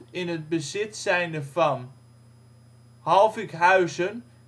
in het bezit zijnde van ". Halvinkhuizen